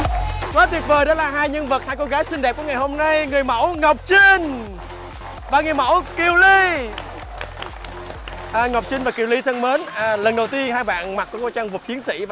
quá tuyệt vời đó là hai nhân vật hai cô gái xinh đẹp của ngày hôm nay người mẫu ngọc trinh và người mẫu kiều ly à ngọc trinh và kiều ly thân mến à lần đầu tiên hai bạn mặc cái bộ trang phục chiến sĩ